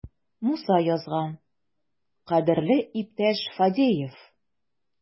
Муса язган: "Кадерле иптәш Фадеев!"